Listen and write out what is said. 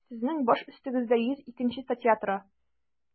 Сезнең баш өстегездә 102 нче статья тора.